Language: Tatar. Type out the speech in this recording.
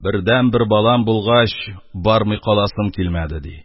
— бердәнбер балам булгач, бармый каласым килмәде, — ди. —